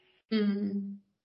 Hmm.